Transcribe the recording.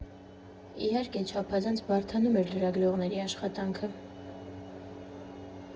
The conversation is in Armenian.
Իհարկե, չափազանց բարդանում էր լրագրողների աշխատանքը։